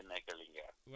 waa bi nekk Linguère